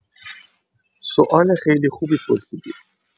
سوال خیلی خوبی پرسیدی.